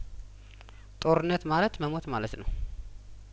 ጦርነት ማለት መሞት ማለት ነው